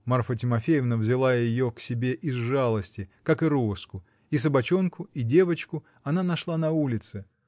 Марфа Тимофеевна взяла ее к себе из жалости, как и Роску: и собачонку и девочку она нашла на улице